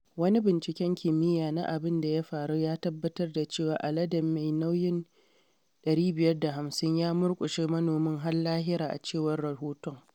Wani binciken kimiyya na abin da ya faru ya tabbatar da cewa aladen mai nauyi 550 ya murƙushe manomin har lahira, a cewar rahoton.